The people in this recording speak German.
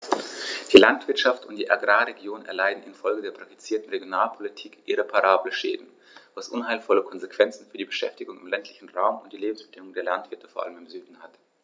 Die Landwirtschaft und die Agrarregionen erleiden infolge der praktizierten Regionalpolitik irreparable Schäden, was unheilvolle Konsequenzen für die Beschäftigung im ländlichen Raum und die Lebensbedingungen der Landwirte vor allem im Süden hat.